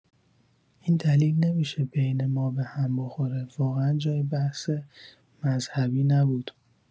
این دلیل نمی‌شه بین ما بهم بخوره واقعا جای بحث مذهبی نبود